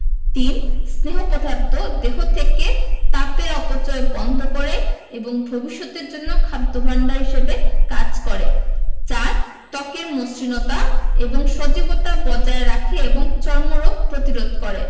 ৩. স্নেহ পদার্থ দেহ থেকে তাপের অপচয় বন্ধ করে এবং ভবিষ্যতের জন্য খাদ্য ভাণ্ডার হিসেবে কাজ করে ৪. ত্বকের মসৃণতা এবং সজীবতা বজায় রাখে এবং চর্মরোগ প্রতিরোধ করে